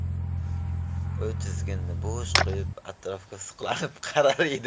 u tizginni bo'sh qo'yib atrofga suqlanib qarar edi